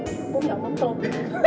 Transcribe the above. bún đậu mắm tôm